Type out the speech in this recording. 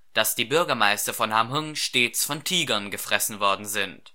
dass die Bürgermeister von Hamhŭng stets von Tigern gefressen worden sind